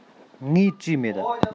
ངས བྲིས མེད